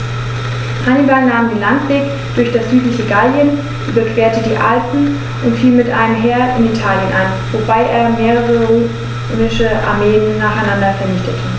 Hannibal nahm den Landweg durch das südliche Gallien, überquerte die Alpen und fiel mit einem Heer in Italien ein, wobei er mehrere römische Armeen nacheinander vernichtete.